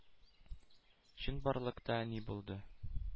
Чынбарлыкта ни булды?